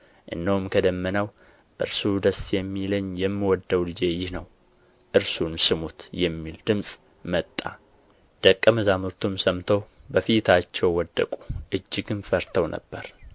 እነሆም ከደመናው በእርሱ ደስ የሚለኝ የምወደው ልጄ ይህ ነው እርሱን ስሙት የሚል ድምፅ መጣ ደቀ መዛሙርቱም ሰምተው በፊታቸው ወደቁ እጅግም ፈርተው ነበር